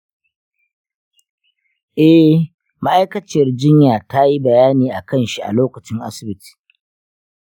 eh, ma'aikaciyar jinya tayi bayani akan shi a lokacin asibiti